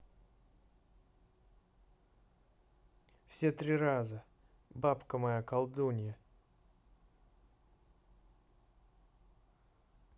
все три раза бабка моя колдунья